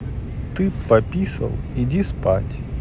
ты пописал иди спать